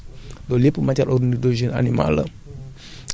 wala fumier yiy jugee ci mbaaru xar yi wala sax ay butitu jën